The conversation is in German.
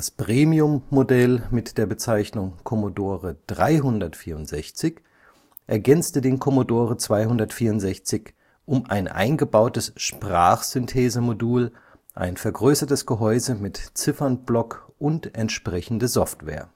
Premiummodell mit der Bezeichnung Commodore 364 ergänzte den Commodore 264 um ein eingebautes Sprachsynthesemodul, ein vergrößertes Gehäuse mit Ziffernblock und entsprechende Software